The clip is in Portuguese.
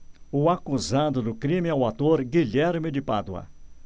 o acusado do crime é o ator guilherme de pádua